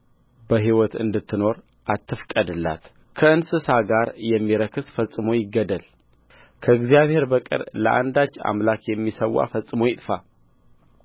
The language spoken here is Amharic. በሕይወት እንድትኖር አትፍቀድላት ከእንስሳ ጋር የሚረክስ ፈጽሞ ይገደል ከእግዚአብሔር በቀር ለአንዳች አምላክ የሚሠዋ ፈጽሞ ይጥፋ